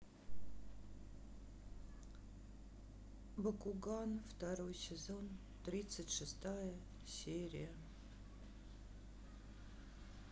бакуган второй сезон тридцать шестая серия